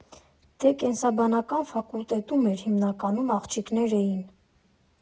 Դե կենսաբանական ֆակուլտետում էլ հիմնականում աղջիկներ էին։